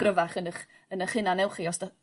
Gryfach yn 'ych yn 'ych hunan newch chi os da-